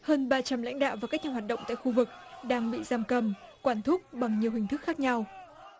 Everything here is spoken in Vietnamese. hơn ba trăm lãnh đạo và các nhà hoạt động tại khu vực đang bị giam cầm quản thúc bằng nhiều hình thức khác nhau